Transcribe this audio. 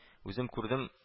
— үзем күрдем